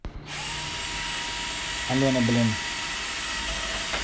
алена блин